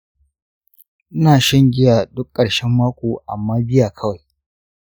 ina shan giya duk ƙarshen mako amma beer kawai.